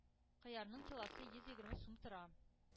Кыярның килосы йөз егерме сум тора.